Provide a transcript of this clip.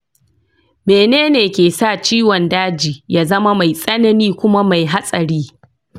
mene ne ke sa ciwon daji ya zama mai tsanani kuma mai hatsari?